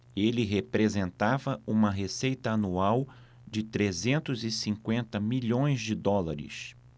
ele representava uma receita anual de trezentos e cinquenta milhões de dólares